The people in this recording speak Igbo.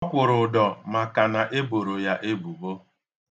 Ọ kwụrụ ụdọ makana e boro ya ebubo.